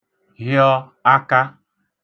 hịọ akā